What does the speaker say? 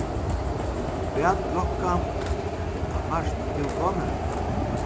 hvat klokkan fært tú komið